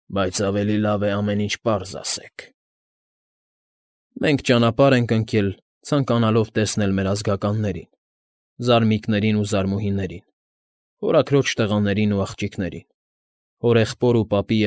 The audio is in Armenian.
Բայց ավելի լավ է ամեն ինչ պարզ ասեք։ ֊ Մենք ճանապարհ ենք ընկել՝ ցանկանալով տեսնել մեր ազգականներին՝ զարմիկներին ու զարմուհիներին, հորաքրոջ տղաներին ու աղջիկներին, հորեղբոր ու պապի։